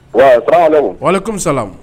Wa karamɔgɔ ne kɔmimisala